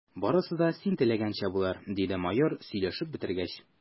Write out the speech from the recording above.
Барысы да син теләгәнчә булыр, – диде майор, сөйләшеп бетергәч.